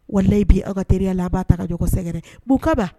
Walayi bi aw ka teriya la a b'a ta ka jɔ sɛgɛrɛ bon kababan